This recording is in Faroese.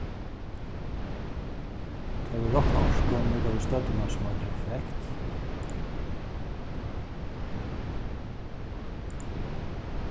tá ið vit rokna orku nýta vit støddina sum eitur effekt